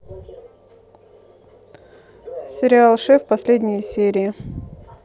сериал шеф последние серии